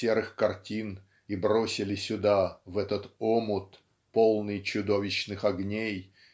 серых картин и бросили сюда в этот омут полный чудовищных огней